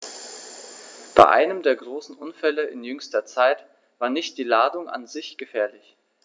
Bei einem der großen Unfälle in jüngster Zeit war nicht die Ladung an sich gefährlich.